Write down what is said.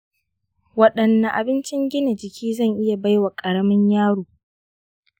wadanne abincin gina jiki zan iya bai wa ƙaramin yaro?